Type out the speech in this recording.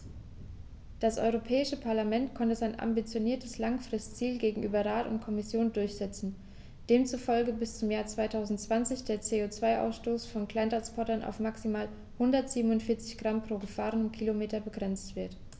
Das Europäische Parlament konnte sein ambitioniertes Langfristziel gegenüber Rat und Kommission durchsetzen, demzufolge bis zum Jahr 2020 der CO2-Ausstoß von Kleinsttransportern auf maximal 147 Gramm pro gefahrenem Kilometer begrenzt wird.